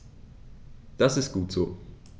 Das ist gut so.